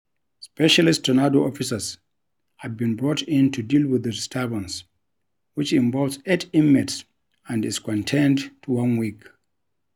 Specialist "Tornado" officers have been brought in to deal with the disturbance, which involves eight inmates and is contained to one wing.